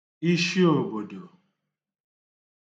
ishiòbòdò